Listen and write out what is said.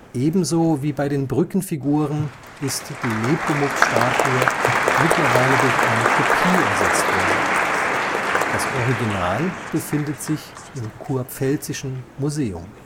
Ebenso wie bei den Brückenfiguren ist die Nepomuk-Statue mittlerweile durch eine Kopie ersetzt worden, das Original befindet sich im Kurpfälzischen Museum